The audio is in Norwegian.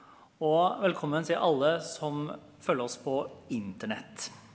og velkommen til alle som følger oss på internett.